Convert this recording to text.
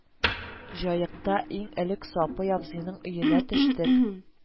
Җаекта иң элек Сапый абзыйның өенә төштек